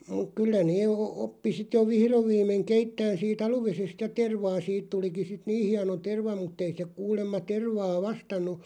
mutta kyllä ne - oppi sitten jo vihdoin viimein keittämään siitä aluvedestä ja tervaa siitä tulikin sitten niin hieno terva mutta ei se kuulemma tervaa vastannut